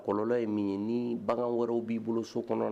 Kɔlɔlɔnlɔ ye min ye ni bagan wɛrɛw b'i bolo so kɔnɔ